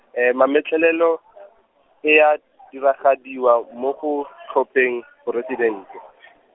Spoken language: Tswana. mametlelelo , e ya, diragadiwa mo go, tlhopheng, poresidente.